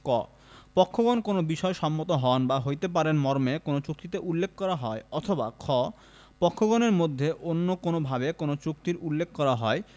ক পক্ষগণ কোন বিষয়ে সম্মত হন বা হইতে পারেন মর্মে কোন চুক্তিতে উল্লেখ করা হয় অথবা খ পক্ষগণের মধ্যে অন্য কোনভাবে কোন চুক্তির উল্লেখ করা হয়